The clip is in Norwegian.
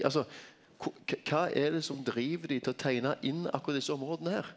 altså kva er det som driv dei til å teikna inn akkurat desse områda her?